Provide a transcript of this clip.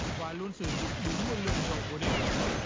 và luôn sử dụng đúng một lượng dầu cố định